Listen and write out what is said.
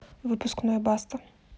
выпускной баста